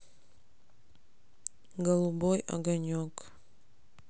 голубой огонек